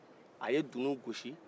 a ye dunu gosi